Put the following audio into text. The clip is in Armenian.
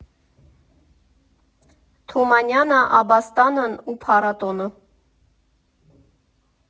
Թումանյանը, Աբաստանն ու փառատոնը։